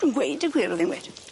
Dwi'n gweud y gwir odd e'n weud.